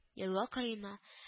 Елга кырыена